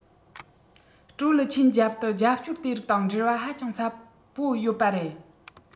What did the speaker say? ཀྲུའུ ལི ཆན རྒྱབ ཏུ རྒྱབ སྐྱོར དེ རིགས དང འབྲེལ བ ཧ ཅང ཟབ པོ ཡོད པ རེད